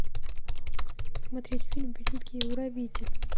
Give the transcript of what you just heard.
смотреть фильм великий уравнитель